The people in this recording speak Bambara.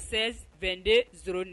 San2de s